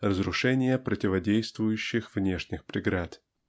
разрушения противодействующих внешних преград.